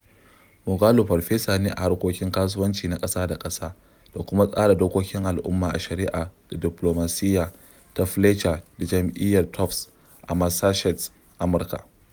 Moghalu farfesa ne a harkokin kasuwanci na ƙasa da ƙasa da kuma tsara dokokin al'umma a jami'ar Shari'a da Diplomasiyya ta Fletcher da Jami'ar Tufts a Massachesetts, Amurka.